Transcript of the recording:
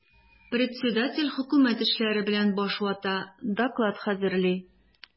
Председатель хөкүмәт эшләре белән баш вата, доклад хәзерли.